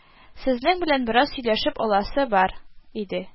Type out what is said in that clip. Сезнең белән бераз сөйләшеп аласы бар иде